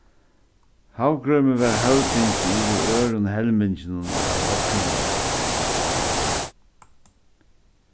havgrímur var høvdingi yvir øðrum helminginum av oyggjunum